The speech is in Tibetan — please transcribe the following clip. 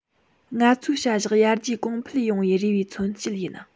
ང ཚོའི བྱ གཞག ཡར རྒྱས གོང འཕེལ ཡོང བའི རེ བའི མཚོན བྱེད ཡིན